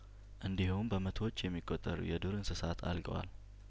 እንዲሁም በመቶዎች የሚቆጠሩ የዱር እንስሳት አልቀዋል